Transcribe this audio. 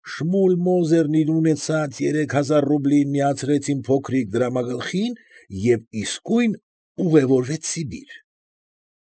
Շմուլ Մոզերն իր ունեցած երեք հազար ռուբլին միացրեց իմ փոքրիկ դրամագլխին և ինքն իսկույն ուղևորվեց Սիբիր։